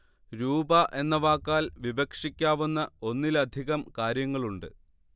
രൂപ എന്ന വാക്കാൽ വിവക്ഷിക്കാവുന്ന ഒന്നിലധികം കാര്യങ്ങളുണ്ട്